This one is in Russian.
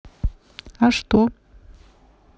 а что